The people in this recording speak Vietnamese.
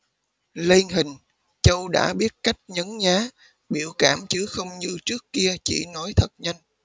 lên hình châu đã biết cách nhấn nhá biểu cảm chứ không như trước kia chỉ nói thật nhanh